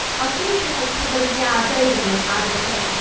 Oedd Duw 'di rhoi cyfarwyddiadau iddyn nhw adeg hynny.